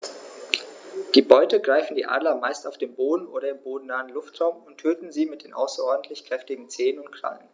Die Beute greifen die Adler meist auf dem Boden oder im bodennahen Luftraum und töten sie mit den außerordentlich kräftigen Zehen und Krallen.